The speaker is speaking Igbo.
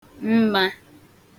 mmā